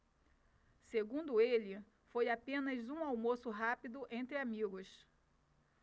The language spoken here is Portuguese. segundo ele foi apenas um almoço rápido entre amigos